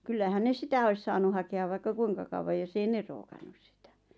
kyllähän ne sitä olisi saanut hakea vaikka kuinka kauan jossakin ei ne rookannut sitä